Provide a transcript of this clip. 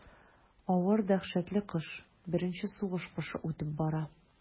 Авыр дәһшәтле кыш, беренче сугыш кышы үтеп бара.